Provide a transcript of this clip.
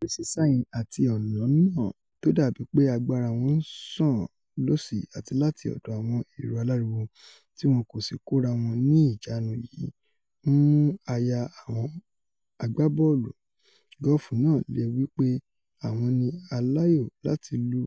Aré sísá yẹn, àti ọ̀nà náà tódàbí pé agbára wọn ńsàn lọ́sì àti láti ọ̀dọ̀ àwọn èrò aláriwo tíwọn kòsì kórawọn níìjánu yìí ńmú àyà àwọn agbábọ́ọ̀lù gọ́ọ̀fù náà le wí pé àwọn ni aláyò láti lù